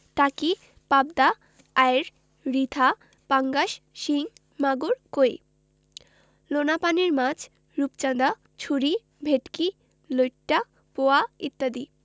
টাকি পাবদা আইড় রিঠা পাঙ্গাস শিং মাগুর কৈ লোনাপানির মাছ রূপচাঁদা ছুরি ভেটকি লইট্ট পোয়া ইত্যাদি